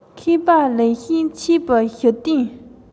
མཁས པ ལེགས བཤད འཆད པའི ཞུ རྟེན